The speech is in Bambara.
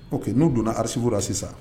Ok nu donna archive .la sisan